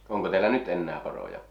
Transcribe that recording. onko teillä nyt enää poroja